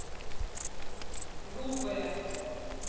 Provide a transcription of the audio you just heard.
глупая